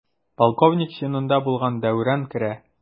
Полковник чинында булган Дәүран керә.